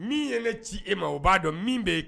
Min ye ne ci e ma o b'a dɔn min bɛ yen